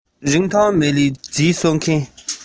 གཏམ རྒྱུད མང པོ བཤད རྗེས